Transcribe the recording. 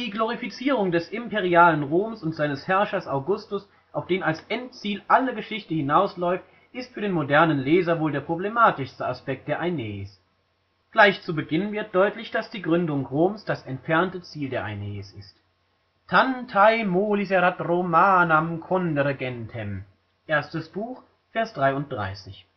Glorifizierung des imperialen Roms und seines Herrschers Augustus, auf den als Endziel alle Geschichte hinausläuft, ist für den modernen Leser wohl der problematischste Aspekt der Aeneis. Gleich zu Beginn wird deutlich, dass die Gründung Roms das entfernte Ziel der Aeneis ist: tantae molis erat Romanam condere gentem (I 33